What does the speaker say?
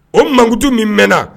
O mankutu min mɛnna